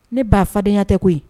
Ne ba fadenyaya tɛ koyi